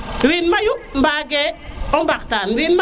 wiin mayu mbage o mbax taan